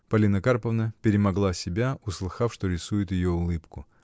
Полина Карповна перемогла себя, услыхав, что рисуют ее улыбку.